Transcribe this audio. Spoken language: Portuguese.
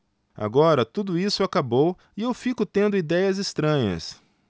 agora tudo isso acabou e eu fico tendo idéias estranhas